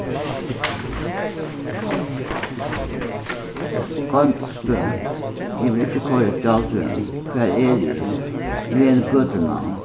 goymd støð eg vil ikki koyra eftir gjaldsvegnum hvar eri eg vel gøtunavn